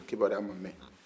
a kibaruya ma mɛn